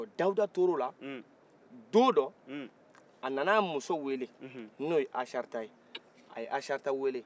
dawuda torala don dɔ a nana' muso wele n'o ye asarita ye a ye asarita wele